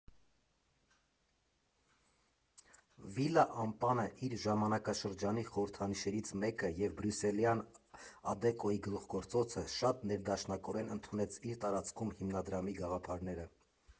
Վիլա Ամպանը՝ իր ժամանակաշրջանի խորհրդանիշներից մեկը և բրյուսելյան ար֊դեկոյի գլուխգործոցը, շատ ներդաշնակորեն ընդունեց իր տարածքում Հիմնադրամի գաղափարները։